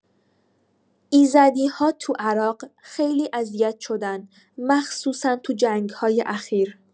ایزدی‌ها تو عراق خیلی اذیت شدن، مخصوصا تو جنگای اخیر.